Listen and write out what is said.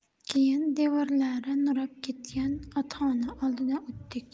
keyin devorlari nurab ketgan otxona oldidan o'tdik